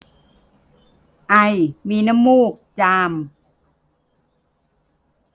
ไอมีน้ำมูกจาม